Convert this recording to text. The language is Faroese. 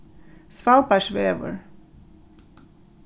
svalbardsvegur